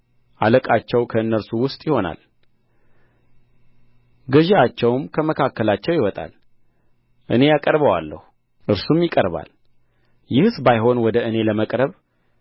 አለቃቸው ከእነርሱ ውስጥ ይሆናል ገዥአቸውም ከመካከላቸው ይወጣል እኔ አቀርበዋለሁ እርሱም ይቀርባል ይህስ ባይሆን ወደ እኔ ለመቅረብ